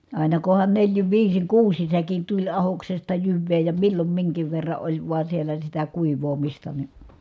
aina kunhan neljin viisin kuusin säkein tuli ahdoksesta jyvää ja milloin minkin verran oli vain siellä sitä kuivaamista niin